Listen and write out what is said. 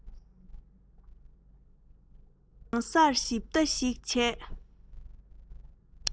གང སར ཞིབ ལྟ ཞིག བྱས